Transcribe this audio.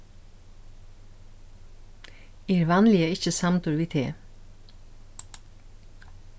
eg eri vanliga ikki samdur við teg